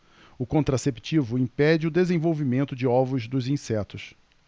o contraceptivo impede o desenvolvimento de ovos dos insetos